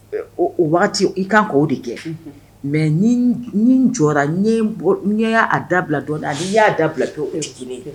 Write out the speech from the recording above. O waati i kan k'o de kɛ, unhun, mais ni in ni n jɔra n ye a dabila dɔɔ ani n y'a dabila pewu, o tɛ kelen